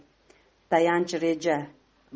tayanch reja